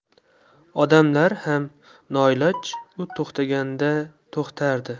odamlar ham noiloj u to'xtaganda to'xtardi